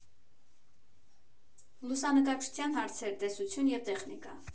Լուսանկարչության հարցեր. Տեսություն և տեխնիկա։